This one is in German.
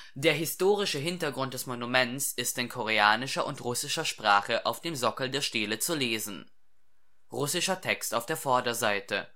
Der historische Hintergrund des Monuments ist in koreanischer und russischer Sprache auf dem Sockel der Stele zu lesen. Russischer Text auf der Vorderseite